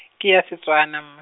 ke ya Setswana mm-.